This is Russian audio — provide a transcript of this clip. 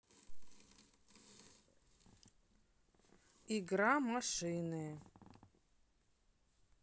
игра машины